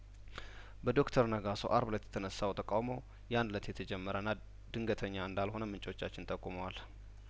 በዶክተር ነጋሶ አርብ እለት የተነሳው ተቃውሞያን እለት የተጀመረና ድንገተኛ እንዳልሆነምንጮቻችን ጠቁመዋል